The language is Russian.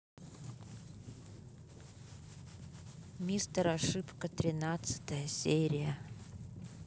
мистер ошибка тринадцатая серия